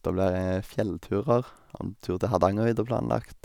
Det blir fjellturer, har en tur til Hardangervidda planlagt.